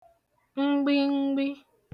ngbingbi